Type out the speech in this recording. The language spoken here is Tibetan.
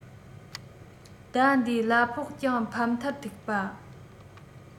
ཟླ འདིའི གླ ཕོགས ཀྱང ཕམ མཐར ཐུག པ